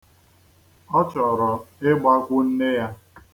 Ọ chọrọ ịgbakwu nne ya.